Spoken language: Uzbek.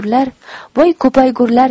voy ko'paygurlar